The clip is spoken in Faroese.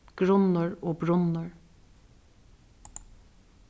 grunnur og brunnur